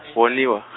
woliwa.